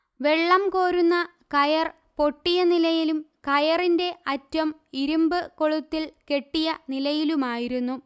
വെള്ളം കോരുന്ന കയർ പൊട്ടിയ നിലയിലും കയറിന്റെ അറ്റം ഇരുമ്പ് കൊളുത്തിൽ കെട്ടിയ നിലയിലുമായിരുന്നു